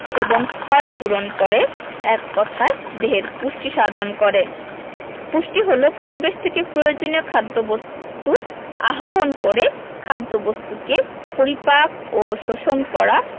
এবং ক্ষয়পূরণ করে এক কথায় দেহের পুষ্টি সাধন করে পুষ্টি হলো পরিবেশ থেকে প্রয়োজনীয় খাদ্যবস্তু আহরণ করে খাদ্যবস্তুকে পরিপাক ও শোষণ করা